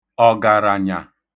ọ̀gàrànyà